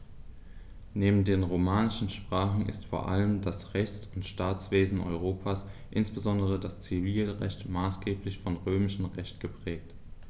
Neben den romanischen Sprachen ist vor allem das Rechts- und Staatswesen Europas, insbesondere das Zivilrecht, maßgeblich vom Römischen Recht geprägt.